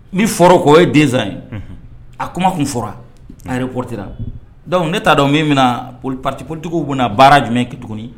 Ni fɔra ko o ye densan ye a kuma tun fɔra a yɛrɛ ptera ne t'a dɔn min bɛnaolitigiw bɛ baara jumɛn tuguni